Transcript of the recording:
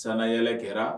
Sannayɛlɛ kɛ la